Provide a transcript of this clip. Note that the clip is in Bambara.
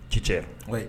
Ci cɛ o ye